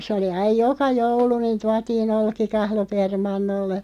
se oli aina joka joulu niin tuotiin olkikahlo permannolle